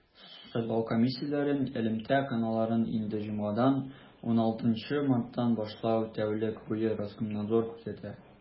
Сайлау комиссияләрен элемтә каналларын инде җомгадан, 16 марттан башлап, тәүлек буе Роскомнадзор күзәтә.